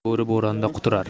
bo'ri bo'ronda quturar